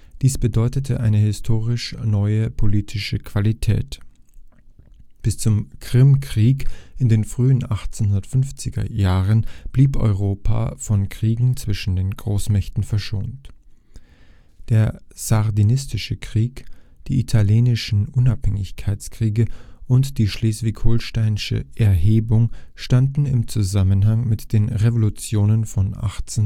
Dies bedeutete eine historisch neue politische Qualität. Bis zum Krimkrieg in den frühen 1850er Jahren blieb Europa von Kriegen zwischen den Großmächten verschont. Der Sardinische Krieg, die Italienischen Unabhängigkeitskriege und die Schleswig-Holsteinische Erhebung standen im Zusammenhang mit den Revolutionen von 1848